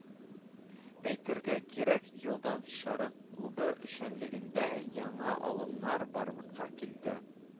Әйтергә кирәк, елдан “Шәрык” клубы эшчәнлегендә яңа алымнар барлыкка килде